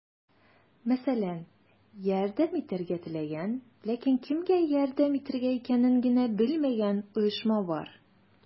Мәсәлән, ярдәм итәргә теләгән, ләкин кемгә ярдәм итергә икәнен генә белмәгән оешма бар.